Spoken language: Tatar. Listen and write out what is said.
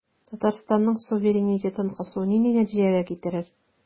Татарстанның суверенитетын кысу нинди нәтиҗәгә китерер?